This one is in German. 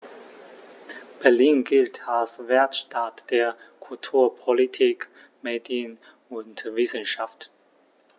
Berlin gilt als Weltstadt der Kultur, Politik, Medien und Wissenschaften.